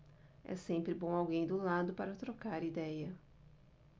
é sempre bom alguém do lado para trocar idéia